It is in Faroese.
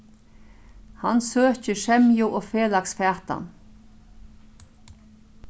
hann søkir semju og felags fatan